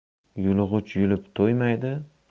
yulg'ich yulib to'ymaydi